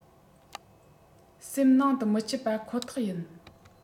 སེམས ནང དུ མི སྐྱིད པ ཁོ ཐག ཡིན